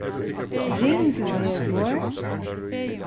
ringvegur